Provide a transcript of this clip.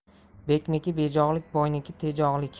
bekniki bejog'lik boyniki tejog'lik